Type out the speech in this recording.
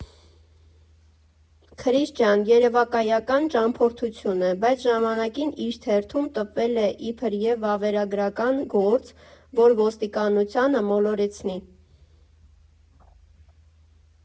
Քրիս ջան, երևակայական ճամփորդություն է, բայց ժամանակին իր թերթում տպվել է իբրև վավերագրական գործ, որ ոստիկանությանը մոլորեցնի։